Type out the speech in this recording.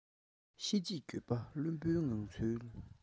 ཤེས རྗེས འགྱོད པ བླུན པོའི ངང ཚུལ